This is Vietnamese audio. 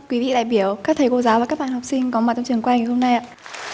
vị đại biểu các thầy cô giáo và các bạn học sinh có mặt trong trường quay ngày hôm nay ạ